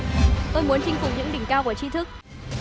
tôi muốn chinh phục những đỉnh cao của tri thức